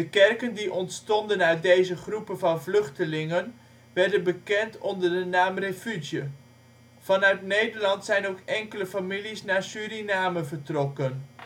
kerken die ontstonden uit deze groepen van vluchtelingen werden bekend onder de naam " Refuge ". Vanuit Nederland zijn ook enkele families naar Suriname getrokken